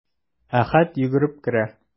Әхәт йөгереп керә.